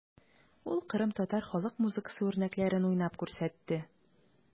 Ул кырымтатар халык музыкасы үрнәкләрен уйнап күрсәтте.